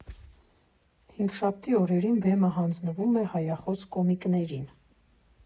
Հինգշաբթի օրերին բեմը հանձնվում է հայախոս կոմիկներին։